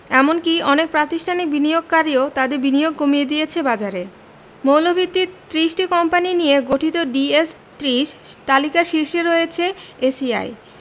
এমনকি অনেক প্রাতিষ্ঠানিক বিনিয়োগকারীও তাদের বিনিয়োগ কমিয়ে দিয়েছে বাজারে মৌলভিত্তির ৩০ টি কোম্পানি নিয়ে গঠিত ডিএস ৩০ তালিকার শীর্ষে রয়েছে এসিআই